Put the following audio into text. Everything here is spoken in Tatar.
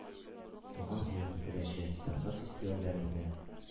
“туган җирем – теләче” сәнгать фестивальләрендә